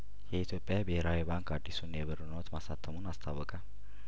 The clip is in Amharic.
የኢትዮጵያ ብሄራዊ ባንክ አዲሱን የብር ኖት ማሳተሙን አስታወቀ